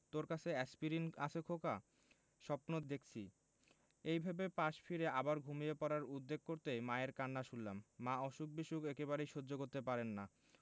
তোর কাছে এ্যাসপিরিন আছে খোকা স্বপ্ন দেখছি এই ভেবে পাশে ফিরে আবার ঘুমিয়ে পড়ার উদ্যোগ করতেই মায়ের কান্না শুনলাম মা অসুখ বিসুখ একেবারেই সহ্য করতে পারেন না